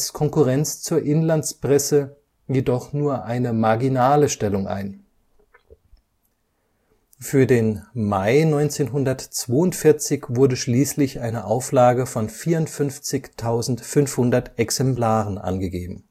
Konkurrenz zur Inlandspresse jedoch nur eine marginale Stellung ein. Für den Mai 1942 wurde schließlich eine Auflage von 54.500 Exemplaren angegeben